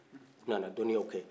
u nana doniyaw kɛ